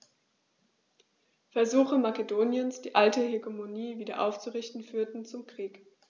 Versuche Makedoniens, die alte Hegemonie wieder aufzurichten, führten zum Krieg.